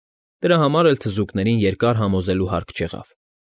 Դրա համար էլ թզուկներին երկար համոզելու հարկ չեղավ։